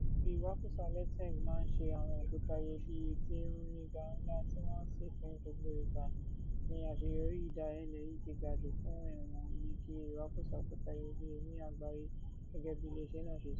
Ibi ìwakùsà Letseng máa ń ṣe àwọn òkúta iyebíye tí ó oníga ńlá, tí wọ́n sì ń fi gbogbo ìgbà ní àṣeyọrí ìdáyelé tí ó ga jù fún ìwọ̀n èyíkéyìí ìwakùsà òkúta iyebíye ní àgbáyé, gẹ́gẹ́ bí ilé iṣẹ́ náà ṣe sọ.